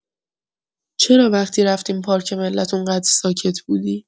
چرا وقتی رفتیم پارک ملت اونقدر ساکت بودی؟